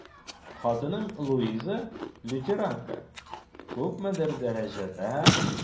Хатыным Луиза, лютеранка, күпмедер дәрәҗәдә...